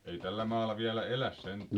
ei tällä maalla vielä elä sentään